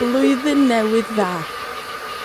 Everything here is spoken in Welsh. Blwyddyn Newydd Dda.